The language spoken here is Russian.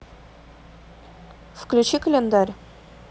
включи календарь